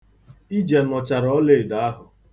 Ije nụchara ọlaedo ahụ.